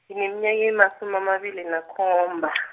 ngineminyaka emasumi amabili nakhomba.